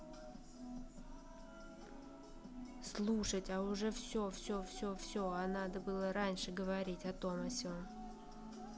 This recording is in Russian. слушать а уже все все все все а надо было раньше говорить о том о сем